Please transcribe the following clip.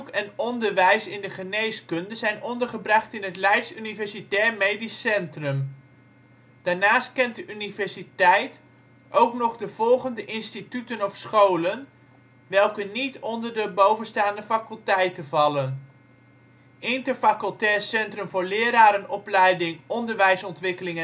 en onderwijs in de geneeskunde zijn ondergebracht in het Leids Universitair Medisch Centrum (LUMC). Daarnaast kent de universiteit ook nog de volgende instituten of scholen, welke niet onder de bovenstaande faculteiten vallen: Interfacultair Centrum voor Lerarenopleiding, Onderwijsontwikkeling